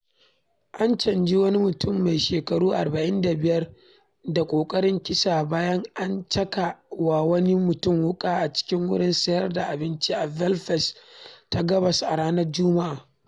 An caji wani mutum mai shekaru 45 da ƙoƙarin kisa bayan an caka wa wani mutum wuƙa a cikin wurin sayar da abinci a Belfast ta gabas a ranar Juma'a.